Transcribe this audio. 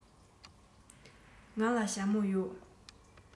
ང ལ ཞྭ མོ ཡོད